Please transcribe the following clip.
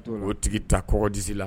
O tigi ta kɔrɔ disi la